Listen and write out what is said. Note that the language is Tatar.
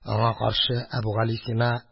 Аңа каршы Әбүгалисина: